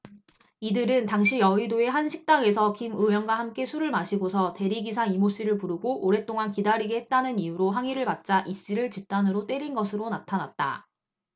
이들은 당시 여의도의 한 식당에서 김 의원과 함께 술을 마시고서 대리기사 이모씨를 부르고 오랫동안 기다리게 했다는 이유로 항의를 받자 이씨를 집단으로 때린 것으로 나타났다